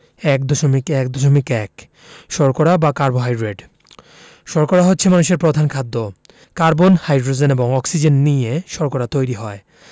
১.১.১ শর্করা বা কার্বোহাইড্রেট শর্করা হচ্ছে মানুষের প্রধান খাদ্য কার্বন হাইড্রোজেন এবং অক্সিজেন নিয়ে শর্করা তৈরি হয়